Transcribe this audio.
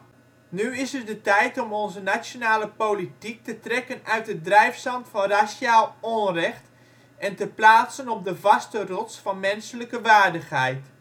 is het de tijd om onze nationale politiek te trekken uit het drijfzand van raciaal onrecht en te plaatsen op de vaste rots van menselijke waardigheid